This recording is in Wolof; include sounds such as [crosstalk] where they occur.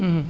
[hesitation] [hesitation]